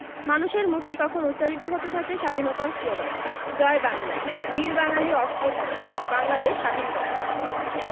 মানুষের মুখে তখন উচ্চারিত হতে থাকে স্বাধীনতার স্লোগান জয় বাংলা বীর বাঙালী অস্ত্র ধর বাংলাদেশ স্বাধীন কর